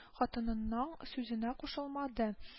Хатынынаң сүзенә кушылмады